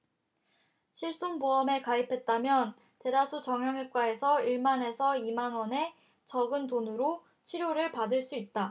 실손보험에 가입했다면 대다수 정형외과에서 일 만 에서 이 만원의 적은 돈으로 치료를 받을 수 있다